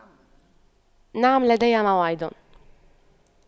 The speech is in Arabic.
نعم لدي موعد